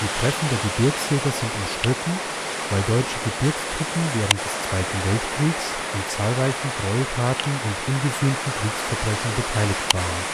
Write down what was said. Treffen der Gebirgsjäger sind umstritten, weil deutsche Gebirgstruppen während des Zweiten Weltkriegs an zahlreichen Gräueltaten und ungesühnten Kriegsverbrechen beteiligt waren